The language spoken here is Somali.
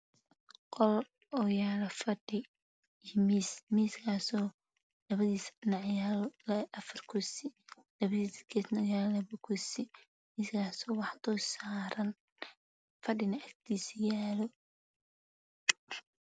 Qol oo yaalo fadhi miis laba dhinac yaalo afar kursi waxa dul saaran fadhina agtiisa yaalo